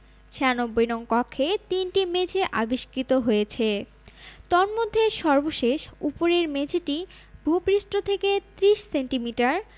৯৬ নং কক্ষে তিনটি মেঝে আবিষ্কৃত হয়েছে তন্মধ্যে সর্বশেষ উপরের মেঝেটি ভূপৃষ্ঠ থেকে ৩০ সেন্টিমিটার